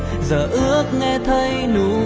giờ ước nghe thấy nụ cười